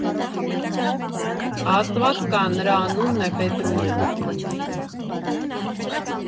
Աստված կա, նրա անունն է Պետրունյա։